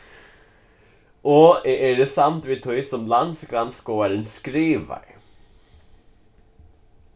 og eg eri samd við tí sum landsgrannskoðarin skrivar